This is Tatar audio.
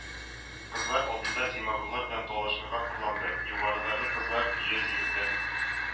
Кызлар алдында зимагурлар белән талашырга хурланды. югарыдагы кызлар, көяз егетләр,